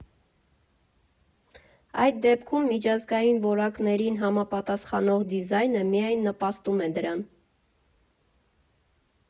Այդ դեպքում միջազգային որակներին համապատասխանող դիզայնը միայն նպաստում է դրան։